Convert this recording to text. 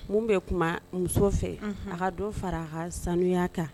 Mun bɛ kuma muso fɛ a ka don fara a ka sanuya kan